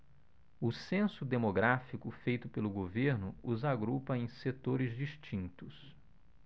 o censo demográfico feito pelo governo os agrupa em setores distintos